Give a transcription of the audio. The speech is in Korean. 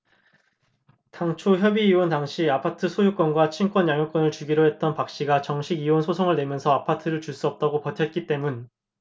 당초 협의이혼 당시 아파트 소유권과 친권 양육권을 주기로 했던 박씨가 정식 이혼 소송을 내면서 아파트를 줄 수 없다고 버텼기 때문